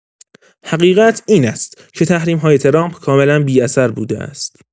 حقیقت این است که تحریم‌های ترامپ کاملا بی‌اثر بوده است.